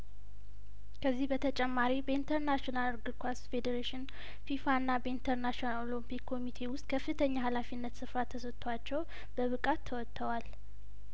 ከዚህ በተጨማሪ በኢንተርናሽናል እግር ኳስ ፌዴሬሽን ፊፋና በኢንተርናሽናል ኦሎምፒክ ኮሚቴ ውስጥ ከፍተኛ የሀላፊነት ስፍራ ተሰጥቶዎቻቸው በብቃት ተወጥተዋል